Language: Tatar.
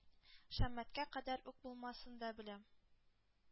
Шәммәткә кадәр үк булмасын да беләм.